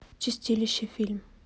чистилище фильм